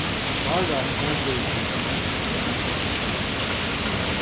sára gongur til ballett